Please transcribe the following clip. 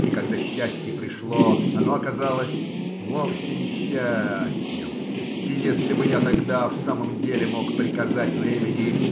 И когда счастье пришло, оно оказалось вовсе не счастьем, и если бы я тогда в самом деле мог приказать времени